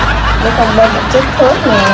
để con bơm chích thuốc nào